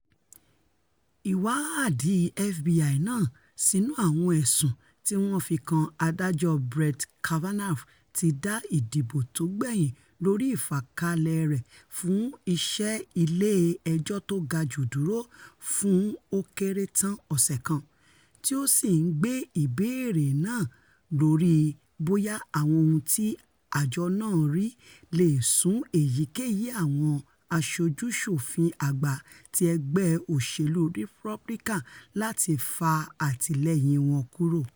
Ìwáàdí FBI náà sínú àwọn ẹ̀sùn tíwọ́n fi kan Adájọ́ Brett Kavanaugh ti dá ìdìbò tógbẹ̀yìn lórí ìfàkalẹ rẹ̀ fún iṣẹ́ Ilé Ẹjọ́ Tógajùlọ duro fún ó kéré tán ọ̀sẹ̀ kan, tí ó sì ńgbé ìbéèrè náà lori boya àwọn ohun ti àjọ náà rí leè sún èyíkéyìí àwọn aṣojú-ṣòfin àgbà ti ẹgbẹ́ òṣèlú Republican láti fa àtìlẹyìn kuro.